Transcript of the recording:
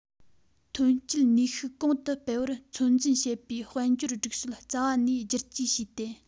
ཐོན སྐྱེད ནུས ཤུགས གོང དུ འཕེལ བར ཚོད འཛིན བྱེད པའི དཔལ འབྱོར སྒྲིག སྲོལ རྩ བ ནས བསྒྱུར བཅོས བྱས ཏེ